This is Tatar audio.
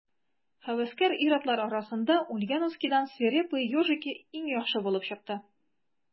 Һәвәскәр ир-атлар арасында Ульяновскидан «Свирепые ежики» иң яхшы булып чыкты.